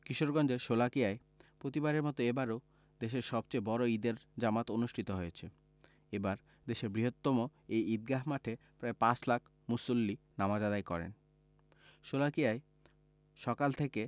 কিশোরগঞ্জের শোলাকিয়ায় প্রতিবারের মতো এবারও দেশের সবচেয়ে বড় ঈদের জামাত অনুষ্ঠিত হয়েছে এবার দেশের বৃহত্তম এই ঈদগাহ মাঠে প্রায় পাঁচ লাখ মুসল্লি নামাজ আদায় করেন শোলাকিয়ায় সকাল থেকে